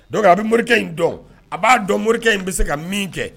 Don a bɛ morikɛ in dɔn a b'a dɔn morikɛ in bɛ se ka min kɛ